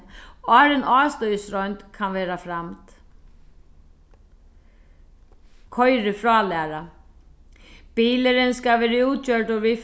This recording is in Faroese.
áðrenn ástøðisroynd kann verða framd koyrifrálæra bilurin skal vera útgjørdur við